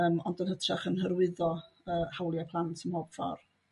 yym ond yn hytrach yn hyrwyddo y hawlia' plant ym mhob ffor'.